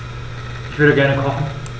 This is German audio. Ich würde gerne kochen.